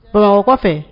Karamɔgɔ fɛ